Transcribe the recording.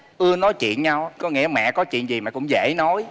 ưa nói chuyện nhau á có nghĩa mẹ có chuyện gì mẹ cũng dễ nói